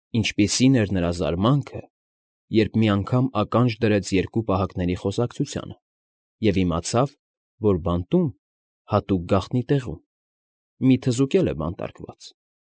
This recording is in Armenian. Ինչպիսին էր նրա զարմանքը, երբ մի անգամ ականջ դրեց երկու պահակների խոսակցությանը և իմացավ, որ բանտում (հատուկ գաղտնի տեղում) մի թզուկ էլ է բանտարկված։